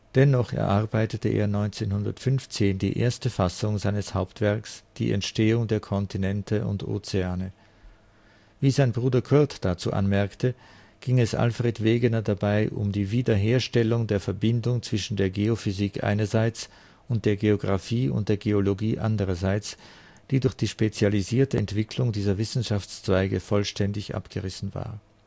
Dennoch erarbeitete er 1915 die erste Fassung seines Hauptwerks Die Entstehung der Kontinente und Ozeane. Wie sein Bruder Kurt dazu anmerkte, ging es Alfred Wegener dabei um die „ Wiederherstellung der Verbindung zwischen der Geophysik einerseits und der Geographie und der Geologie andererseits, die durch die spezialisierte Entwicklung dieser Wissenschaftszweige vollständig abgerissen war